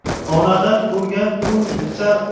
onadan ko'rgan to'n bichar